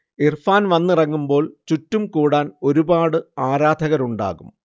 ഇർഫാൻ വന്നിറങ്ങുമ്പോൾ ചുറ്റും കൂടാൻ ഒരുപാട് ആരാധകരുണ്ടാകും